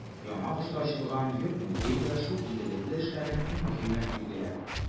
Яңагошта ачылган йорт-музей да шул игелекле эшләрнең иң мөһиме, билгеле.